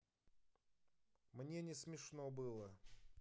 мне не смешно было